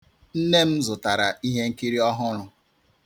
Nne m zụtara ihenkiri ọhụrụ.